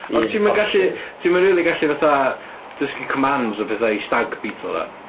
Ond ti'm yn gallu... ti'm yn rili gallu fatha dysgu commands a pethau i Stag Beetle, na.